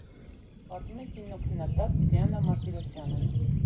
Պատմում է կինոքննադատ Դիանա Մարտիրոսյանը։